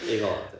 I fod ia